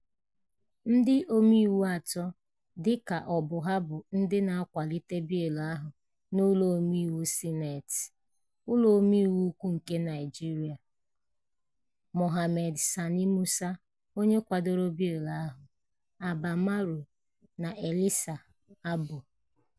Ndị omeiwu atọ dị ka ọ bụ ha bụ ndị na-akwalite bịịlụ ahụ n'ụlọ omeiwu Sineeti, ụlọ omeiwu ukwu nke Naịjirịa: Mohammed Sani Musa (onye kwadoro bịịlụ ahụ), Abba Moro na Elisha Abbo.